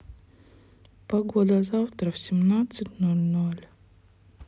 погода завтра в семнадцать ноль ноль